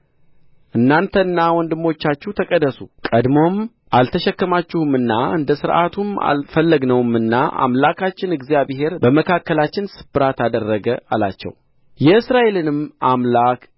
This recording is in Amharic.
እናንተና ወንድሞቻችሁ ተቀደሱ ቀድሞም አልተሸከማችሁምና እንደ ሥርዓቱም አልፈለግነውምና አምላካችን እግዚአብሔር በመካከላችን ስብራት አደረገ አላቸው የእስራኤልንም አምላክ